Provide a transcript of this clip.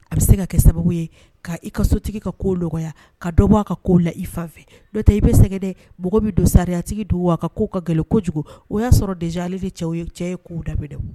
A bɛ se ka kɛ sababu ye, ka i ka sotigi ka kow nɔgɔya, ka dɔ bɔ a ka kow la i fan fɛ, n'o tɛ i bɛ sɛgɛn dɛ, mɔgɔ min don sariyatigi don wa a ka ko ka gɛlɛn kojugu, o y'a sɔrɔ déjà ale ni cɛw ye cɛ ye kow daminɛ